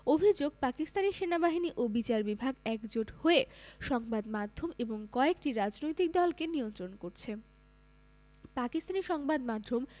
অভিযোগ পাকিস্তানি সেনাবাহিনী ও বিচার বিভাগ একজোট হয়ে সংবাদ মাধ্যম এবং কয়েকটি রাজনৈতিক দলকে নিয়ন্ত্রণ করছে পাকিস্তানি সংবাদ মাধ্যম